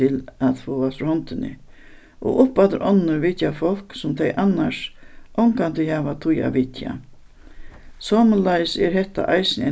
til at fáa frá hondini og upp aftur onnur vitja fólk sum tey annars ongantíð hava tíð at vitja somuleiðis er hetta eisini ein